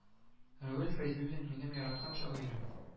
Равил Фәйзуллин минем яраткан шагыйрем